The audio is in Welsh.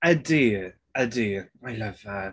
Ydy. Ydy I love her.